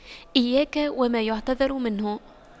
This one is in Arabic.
إياك وما يعتذر منه